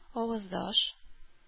Аваздаш